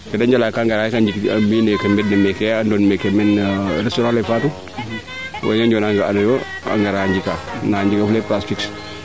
keede njala kaa ngara rek a mbi inoyo mbend ne meeke a ndoon meeke men restaurant le Fatou wena njona nga'anoyo a ngara njikaa ndaa njga fule place fixe